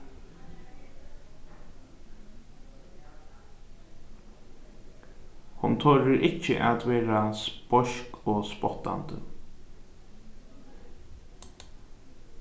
hon torir at vera speisk og spottandi